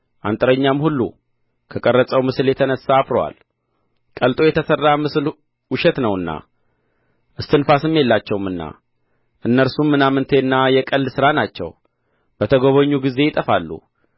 አንጥረኛም ሁሉ ከቀረጸው ምስል የተነሣ አፍሮአል ቀልጦ የተሠራ ምስሉ ውሸት ነውና እስትንፋስም የላቸውምና እነርሱም ምናምንቴና የቀልድ ሥራ ናቸው በተጐበኙ ጊዜ ይጠፋሉ